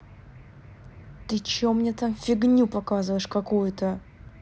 ты че мне там фигню показываешь какую то